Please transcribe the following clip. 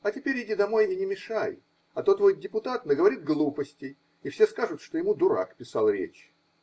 А теперь иди домой и не мешай, а то твой депутат наговорит глупостей, и все скажут, что ему дурак писал речь.